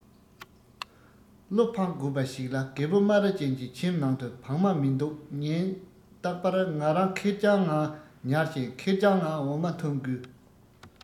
བློ ཕངས དགོས པ ཞིག ལ རྒད པོ སྨ ར ཅན གྱི ཁྱིམ ནང དུ བག མ མི འདུག ཉིན རྟག པར ང རང ཁེར རྐྱང ངང ཉལ ཞིང ཁེར རྐྱང ངང འོ མ འཐུང དགོས